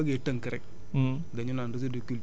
peut être bu ñu bëggee tënk rek